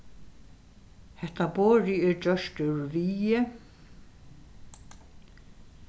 hetta borðið er gjørt úr viði